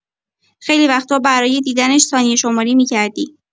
خیلی وقتا برای دیدنش ثانیه‌شماری می‌کردی.